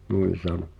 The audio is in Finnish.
noin sanoi